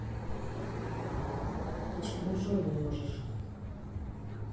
почему джой не можешь